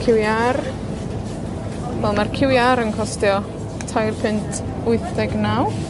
Cyw iâr. Wel ma'r cyw iâr yn costio tair punt wyth deg naw.